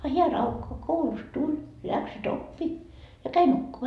a hän raukka koulusta tuli läksyt oppi ja kävi nukkumaan